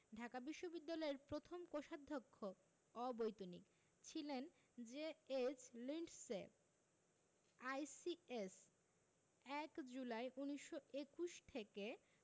ঢাকা বিশ্ববিদ্যালয়ের প্রথম কোষাধ্যক্ষ অবৈতনিক ছিলেন জে.এইচ লিন্ডসে আইসিএস ১ জুলাই ১৯২১ থেকে